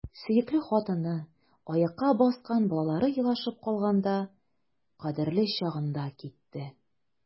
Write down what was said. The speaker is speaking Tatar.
Сөекле хатыны, аякка баскан балалары елашып калганда — кадерле чагында китте!